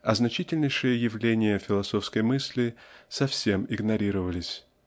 а значительнейшие явления философской мысли совсем игнорировались.